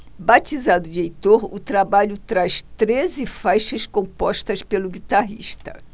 batizado de heitor o trabalho traz treze faixas compostas pelo guitarrista